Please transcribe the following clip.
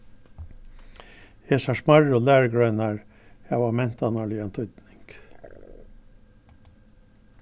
hesar smærru lærugreinar hava mentanarligan týdning